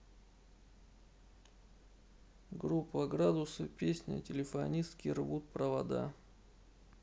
группа градусы песня телефонистки рвут провода